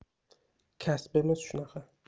kasbimiz shunaqa